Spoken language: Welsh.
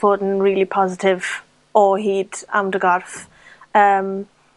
fod yn rili positif o hyd am dy gorff, yym